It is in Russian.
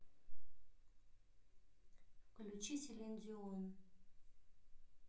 включи селин дион